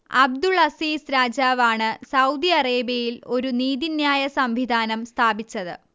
Abdul Aziz രാജാവാണ് Saudi അറേബ്യയിൽ ഒരു നീതിന്യായ സംവിധാനം സ്ഥാപിച്ചത്